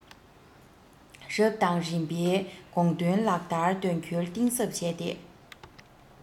རབ དང རིམ པའི དགོངས དོན ལག བསྟར དོན འཁྱོལ གཏིང ཟབ བྱས ཏེ